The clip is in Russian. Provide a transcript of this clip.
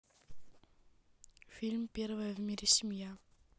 фильм первая в мире семья